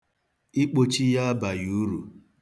Ikpochi ya abaghị uru.